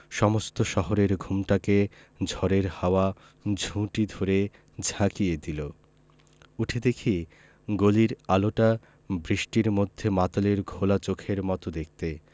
সমস্ত শহরের ঘুমটাকে ঝড়ের হাওয়া ঝুঁটি ধরে ঝাঁকিয়ে দিলো উঠে দেখি গলির আলোটা বৃষ্টির মধ্যে মাতালের ঘোলা চোখের মত দেখতে